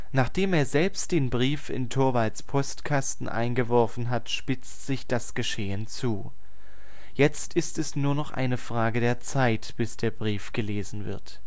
Nachdem er selbst den Brief in Torvalds Postkasten eingeworfen hat, spitzt sich das Geschehen zu: Jetzt ist es nur noch eine Frage der Zeit, bis der Brief gelesen wird